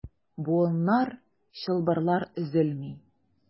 Буыннар, чылбырлар өзелми.